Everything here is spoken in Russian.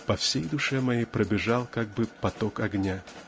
по всей душе моей пробежал как бы поток огня